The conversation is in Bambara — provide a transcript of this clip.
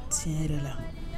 Tiɲɛ yɛrɛ la